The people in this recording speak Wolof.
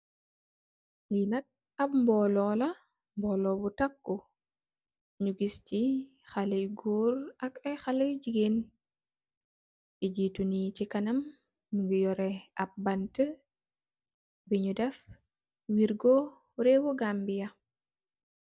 Li nak ap mbolo la mbolo mu taku nyu gis si xalex goor ak ay xale jigeen ku jeetu nee si kanam mogi yoreh ap banta bu nyu deff wergo reewi Gambia.